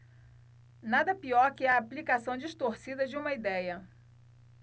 nada pior que a aplicação distorcida de uma idéia